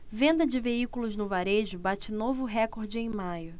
venda de veículos no varejo bate novo recorde em maio